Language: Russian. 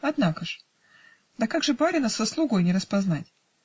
-- "Однако ж?" -- "Да как же барина с слугой не распознать?